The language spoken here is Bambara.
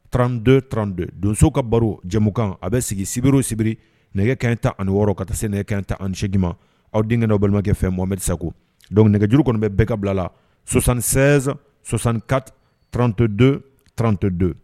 Trand trando donso ka baro jɛmu kan a bɛ sigi sibiriw sibiri nɛgɛ kɛ in ta ani wɔɔrɔ ka se nɛgɛ kɛ in ta ani8jima aw denkɛg balimabakɛ fɛ momedsa don nɛgɛjuru kɔnɔ bɛ bɛɛ ka bila la sɔsansɛsan sɔsan ka tranto don tranto don